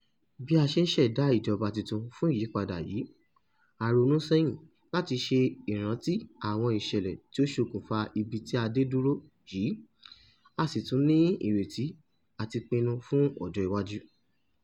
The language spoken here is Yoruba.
Bí a ṣe n ṣẹ̀da ìjọba túntun fún àyípadà yìí, a ronú sẹ́yìn láti ṣe ìránti àwọn ìṣẹ̀lẹ̀ tó sokùnfà ibi tí a dé dúró yìí, a sì tún ní ìrètí àti ìpinnú fún ọjọ́ iwájú.